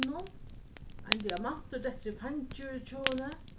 ein diamantur dettur í fangið hjá henni